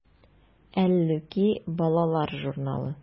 “әллүки” балалар журналы.